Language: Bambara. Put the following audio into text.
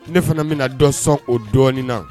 Ne fana bɛna na dɔsɔn o dɔɔnin na